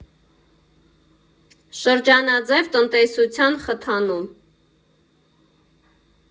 Շրջանաձև տնտեսության խթանում։